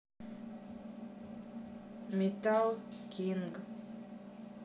метал кинг